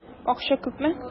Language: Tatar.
Акча күпме?